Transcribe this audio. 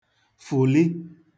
fụ̀li